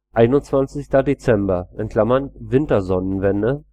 21. Dezember (Wintersonnenwende